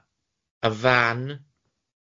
y van